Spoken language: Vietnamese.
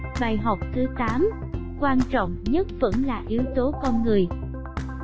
bài học thứ quan trọng nhất vẫn là yếu tố con người